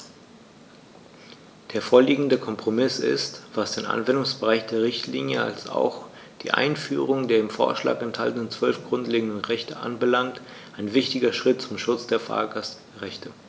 Der vorliegende Kompromiss ist, was den Anwendungsbereich der Richtlinie als auch die Einführung der im Vorschlag enthaltenen 12 grundlegenden Rechte anbelangt, ein wichtiger Schritt zum Schutz der Fahrgastrechte.